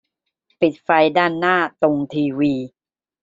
ปิดไฟด้านหน้าตรงทีวี